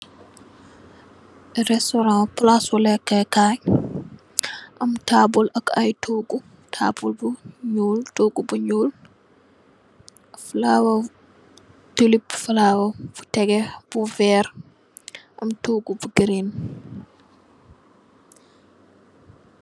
Restaurant palaas su lekkèkaay, am taabl ak ay toogu. Taabl bu ñuul, toogu bu ñuul. Flower clip flower bu tégé bu vèrr am toogu bu green.